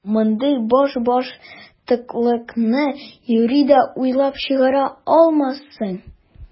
Мондый башбаштаклыкны юри дә уйлап чыгара алмассың!